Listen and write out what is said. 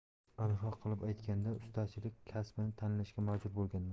aniqroq qilib aytganda ustachilik kasbini tanlashga majbur bo'lganman